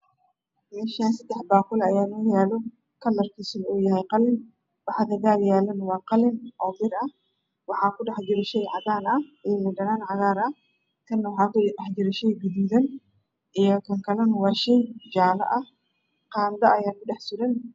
Meshani sedax baquli ayaa inoo yalo kalarkoduna yahay qalin waxa ag yalana waa qalin oo bir ah waxaa ku dhex jira shey cadan ah iyo liin dhanaan cagar ah kana waxaa ju dhex jira shay gaduudan iyo kan kalana waa shey jala ah qando ayaa ku dhex suran